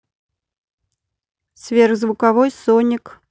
сверхзвуковой соник